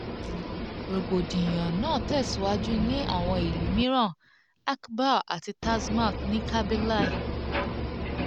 Rògbòdìyàn náà tẹ̀síwájú ní àwọn ìlú mìíràn: Akbou àti Tazmalt ní Kabylie.